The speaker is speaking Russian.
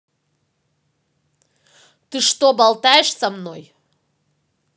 ты что болтаешь со мной